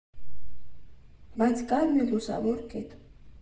Բայց կար մի լուսավոր կետ։